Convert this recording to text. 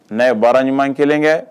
Ne ye baara ɲuman kelen kɛ